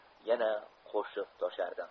yana qo'shiq toshardi